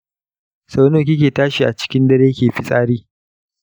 sau nawa kike tashi a cikin dare kiyi fitsari?